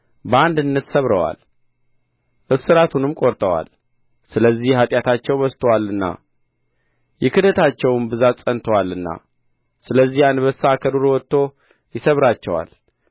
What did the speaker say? በአንድነት ሰብረዋል እስራቱንም ቈርጠዋል ስለዚህ ኃጢአታቸው በዝቶአልና የክዳታቸውም ብዛት ጸንቶአልና ስለዚህ አንበሳ ከዱር ወጥቶ ይሰብራቸዋል